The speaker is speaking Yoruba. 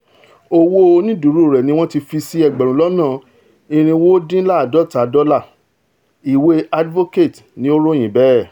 Owó oníìdúró rẹ̀ ní wọ́n ti fi sí ẹgbẹ̀rún-lọ́ná-irinwódíńlá́àádọ́ta dọ́la, ìwé Advocate ní ́o ìròyìn bẹẹ,